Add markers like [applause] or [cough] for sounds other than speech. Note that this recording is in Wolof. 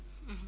[hesitation] [hesitation]